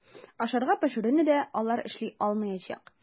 Ашарга пешерүне дә алар эшли алмаячак.